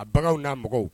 A bagan n'a mɔgɔw